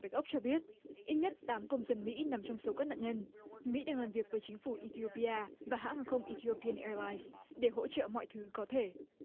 bạch ốc cho biết ít nhất tám công dân mỹ nằm trong số các nạn nhân mỹ đang làm việc với chính phủ e thi ô pi a và hãng không e thi ô pi ần e lai để hỗ trợ mọi thứ có thể